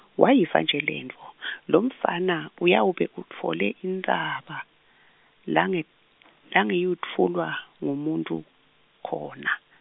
Wayiva nje lentfo, lomfana uyawube utfole intsaba, lange- langeyutfulwa ngumuntfu khona.